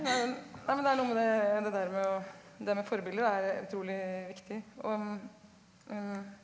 nei men det er noe med det det derre med å det med forbilder er utrolig viktig og .